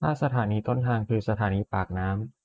ถ้าสถานีต้นทางคือสถานีปากน้ำ